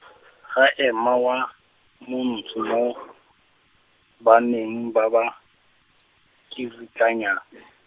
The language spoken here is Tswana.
ga ema wa, Montsho mo, banneng ba ba, -kiritlanyana .